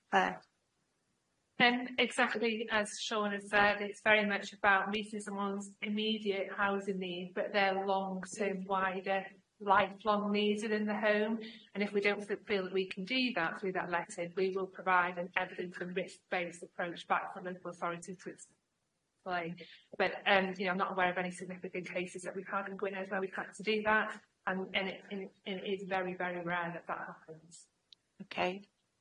Oce. Yym exactly as Siôn has said it's very much about meeting someone's immediate housing need but they're long term why they're lifelong needs within the home and if we don't sy- feel that we can do that through that letting we will provide an evidence and risk based approach back from local authority to play. But yym you know I'm not aware of any significant cases that we've had in Gwynedd where we've had to do that. I'm in it in it is very very rare that that happens. Ok.